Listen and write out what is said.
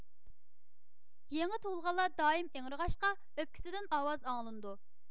يېڭى تۇغۇلغانلار دائىم ئىڭرىغاچقا ئۆپكىسىدىن ئاۋاز ئاڭلىنىدۇ